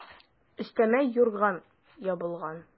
Өстемә юрган ябылган.